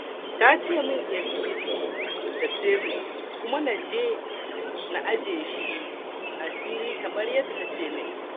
"Ta ce min in rike shi da sirri kuma na aje shi asiri kamar yadda ta ce min."